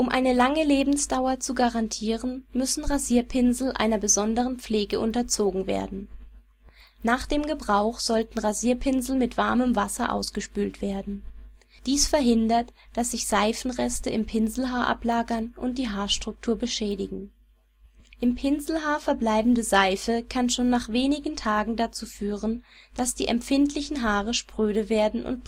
eine lange Lebensdauer zu garantieren, müssen Rasierpinsel einer besonderen Pflege unterzogen werden. Nach dem Gebrauch sollten Rasierpinsel mit warmem Wasser ausgespült werden. Dies verhindert, dass sich Seifenreste im Pinselhaar ablagern und die Haarstruktur beschädigen. Im Pinselhaar verbleibende Seife kann schon nach wenigen Tagen dazu führen, dass die empfindlichen Haare spröde werden